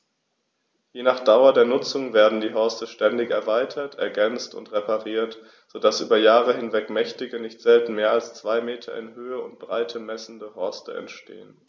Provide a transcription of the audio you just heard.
Je nach Dauer der Nutzung werden die Horste ständig erweitert, ergänzt und repariert, so dass über Jahre hinweg mächtige, nicht selten mehr als zwei Meter in Höhe und Breite messende Horste entstehen.